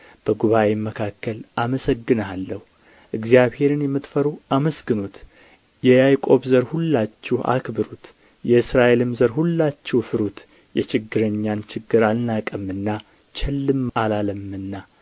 በጉባኤም መካከል አመሰግንሃለሁ እግዚአብሔርን የምትፈሩ አመስግኑት የያዕቆብ ዘር ሁላችሁ አክብሩት የእስራኤልም ዘር ሁላችሁ ፍሩት የችግረኛን ችግር አልናቀምና ቸልም አላለምና